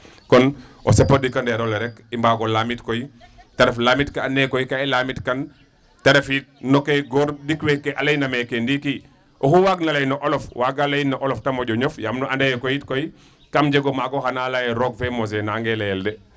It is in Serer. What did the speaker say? Kon o sep o ɗikandeero le rek i mbaag o lamit koy te ref lamit ke andna yee koy, ka i lamitkan ta ref yit no ke goor ɗik weeke a layna neeke ndiiki oxu waagna lay no olof waagano lay no olof ta moƴo ñof nu anda yee koyit koy kaam jeg o maag oxa na layaa yee roog fe mosee nangea layel de.